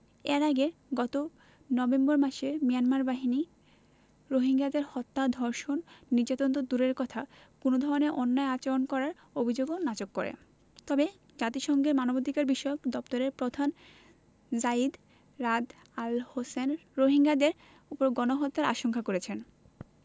এর আগে গত নভেম্বর মাসে মিয়ানমার বাহিনী রোহিঙ্গাদের হত্যা ধর্ষণ নির্যাতন তো দূরের কথা কোনো ধরনের অন্যায় আচরণ করার অভিযোগও নাকচ করে তবে জাতিসংঘের মানবাধিকারবিষয়ক দপ্তরের প্রধান যায়িদ রাদ আল হোসেইন রোহিঙ্গাদের ওপর গণহত্যার আশঙ্কা করেছেন